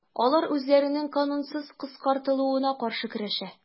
Алар үзләренең канунсыз кыскартылуына каршы көрәшә.